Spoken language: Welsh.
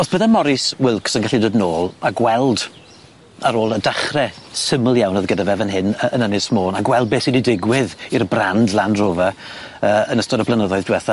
Os bydde Mourice Wilks yn gallu dod nôl a gweld ar ôl y dechre syml iawn o'dd gyda fe fan hyn yy yn Ynys Môn a gweld be' sy' 'di digwydd i'r brand Land Rover yy yn ystod y blynyddoedd dwetha,